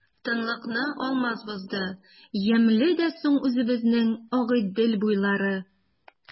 Тынлыкны Алмаз бозды:— Ямьле дә соң үзебезнең Агыйдел буйлары!